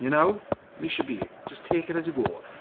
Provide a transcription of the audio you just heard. You know? Mis should be just take it as you go.